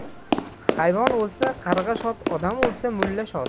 hayvon o'lsa qarg'a shod odam o'lsa mulla shod